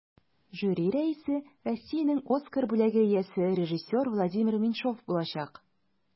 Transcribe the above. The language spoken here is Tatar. Жюри рәисе Россиянең Оскар бүләге иясе режиссер Владимир Меньшов булачак.